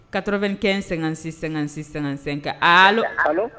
Kato bɛ kɛ n sɛgɛn-sɛ- san sen kɛ ala